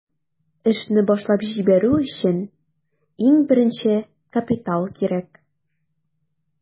Эшне башлап җибәрү өчен иң беренче капитал кирәк.